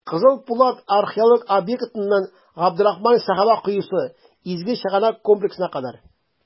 «кызыл пулат» археологик объектыннан "габдрахман сәхабә коесы" изге чыганак комплексына кадәр.